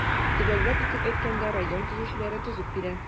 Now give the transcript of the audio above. Төгәлрәк итеп әйткәндә, район төзүчеләре төзеп бирә.